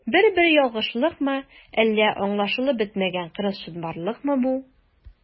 Бер-бер ялгышлыкмы, әллә аңлашылып бетмәгән кырыс чынбарлыкмы бу?